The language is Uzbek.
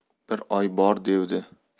bir oy bor devdi